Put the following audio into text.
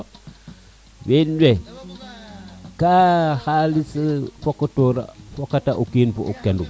wiin we ka xalis fokato fokata o kiin fo o kinum